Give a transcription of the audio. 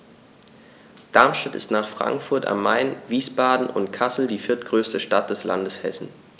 Darmstadt ist nach Frankfurt am Main, Wiesbaden und Kassel die viertgrößte Stadt des Landes Hessen